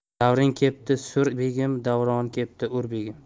davring kepti sur begim davroning kepti ur begim